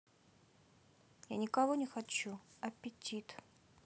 я никого не хочу аппетит